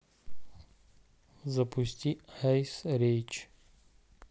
запусти айс рейч